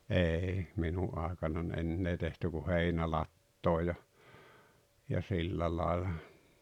ei minun aikanani enää tehty kuin heinälatoon ja ja sillä lailla